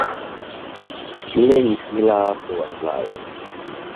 เล่นกีฬาปวดไหล่